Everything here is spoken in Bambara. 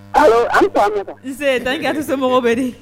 Ayiwa tɛ se mago bɛ di